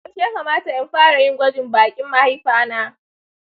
yaushe ya kamata in fara yin gwajin bakin mahaifa na?